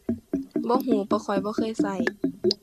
บ่รู้ เพราะข้อยบ่เคยรู้